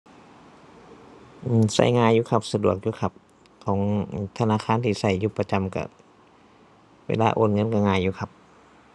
อือ ใช้ง่ายอยู่ครับ สะดวกอยู่ครับ ของธนาคารที่ใช้อยู่ประจำใช้ เวลาโอนเงินใช้ง่ายอยู่ครับ